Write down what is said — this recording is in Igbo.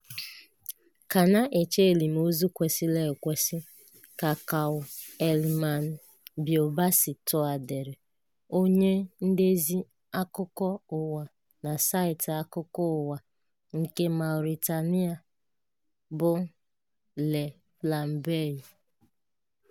ka na-eche elimozu kwesịrị ekwesị," ka Kaaw Elimane Bilbassi Touré dere, onye ndezi akụkọ ụwa na saịtị akụkọ ụwa nke Mauritania bụ Le Flambeau.